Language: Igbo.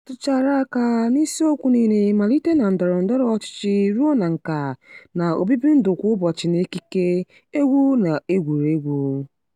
A rụtụchara aka n'isiokwu niile malite na ndọrọ ndọrọ ọchịchị ruo na nka, na obibindụ kwa ụbọchị na ekike, egwu na egwuregwu.